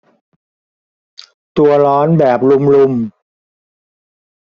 ตัวร้อนแบบรุมรุม